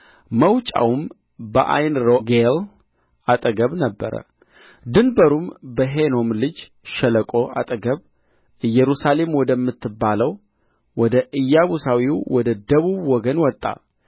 መውጫውም በዓይንሮጌል አጠገብ ነበረ ድንበሩም በሄኖም ልጅ ሸለቆ አጠገብ ኢየሩሳሌም ወደምትባለው ወደ ኢያቡሳዊው ወደ ደቡብ ወገን ወጣ